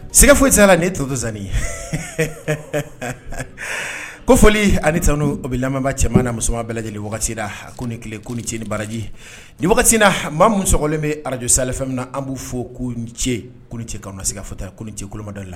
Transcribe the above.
Sɛgɛ foyi sera la ni toto zsannin ko foli ani tan o bɛ lamɛn cɛman na muso bɛɛ lajɛlen wagati ko ni tile ko ni ce ni baraji ni na maa musolen bɛ araj sali min na an b'u fɔ ko ni ce ko ce kama ma se kata ko ni cɛ kolomada la